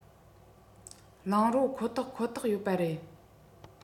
རླངས རོ ཁོ ཐག ཁོ ཐག ཡོད པ རེད